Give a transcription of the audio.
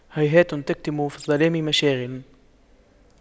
هيهات تكتم في الظلام مشاعل